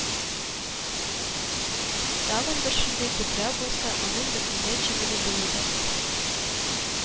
Тагын бер шундый тетрәү булса, аның бөтенләй җимерелүе дә